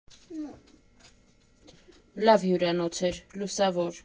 Լավ հյուրանոց էր՝ լուսավոր.